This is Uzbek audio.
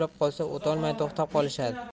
uchrab qolsa o'tolmay to'xtab qolishadi